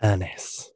Ynys...